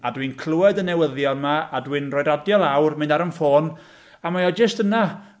A dwi'n clywed y newyddion 'ma, a dwi'n rhoi radio lawr, mynd ar y'n ffôn, a mae o jyst yna.